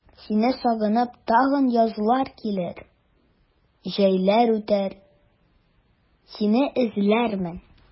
Сине сагынып тагын язлар килер, җәйләр үтәр, сине эзләрмен.